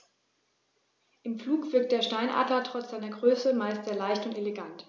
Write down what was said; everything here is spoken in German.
Im Flug wirkt der Steinadler trotz seiner Größe meist sehr leicht und elegant.